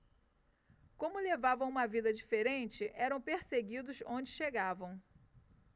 como levavam uma vida diferente eram perseguidos onde chegavam